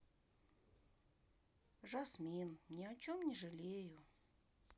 жасмин ни о чем не жалею